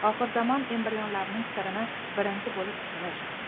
oxirzamon embrionlarining sirini birinchi bo'lib tushunish